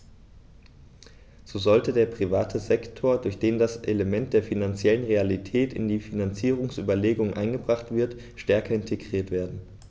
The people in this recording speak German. So sollte der private Sektor, durch den das Element der finanziellen Realität in die Finanzierungsüberlegungen eingebracht wird, stärker integriert werden.